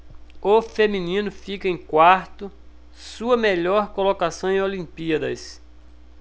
o feminino fica em quarto sua melhor colocação em olimpíadas